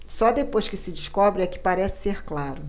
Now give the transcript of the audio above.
só depois que se descobre é que parece ser claro